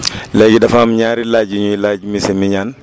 léegi dafa am ñaari laaj yu ñuy laaj monsieur Mignane